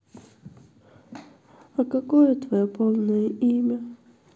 а какое твое полное имя